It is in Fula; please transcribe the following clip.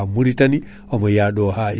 guila ko wiyate guilɗi en